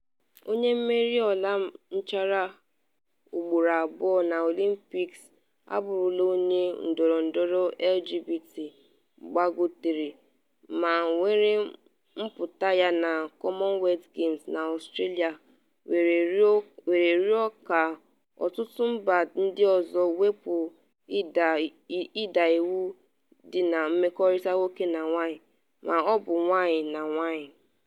Onye mmeri ọla nchara ugboro abụọ na Olympics abụrụla onye ndọrọndọrọ LGBT gbagotere, ma were mpụta ya na Commonwealth Games na Australia were rịọ ka ọtụtụ mba ndị ọzọ wepu ịda iwu dị na mmekọrịta nwoke na nwoke ma ọ bụ nwanyị na nwanyị.